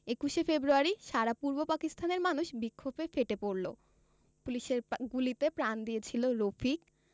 ২১শে ফেব্র য়ারি সারা পূর্ব পাকিস্তানের মানুষ বিক্ষোভে ফেটে পড়ল পুলিশের গুলিতে প্রাণ দিয়েছিল রফিক